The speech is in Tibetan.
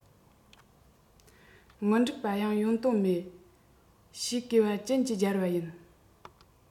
མི འགྲིག པ ཡང ཡོང དོན མེད ཤིང གས པ སྤྱིན གྱིས སྦྱར བ ཡིན